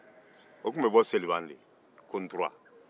o tun bɛ bɔ seliban de